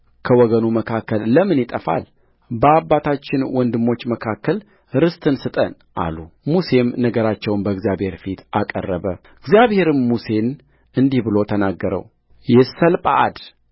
ከወገኑ መካከል ለምን ይጠፋል በአባታችን ወንድሞች መካከል ርስትን ስጠን አሉሙሴም ነገራቸውን በእግዚአብሔር ፊት አቀረበእግዚአብሔርም ሙሴን እንዲህ ብሎ ተናገረውየሰለጰዓድ